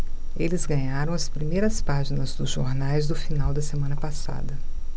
eles ganharam as primeiras páginas dos jornais do final da semana passada